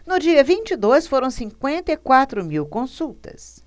no dia vinte e dois foram cinquenta e quatro mil consultas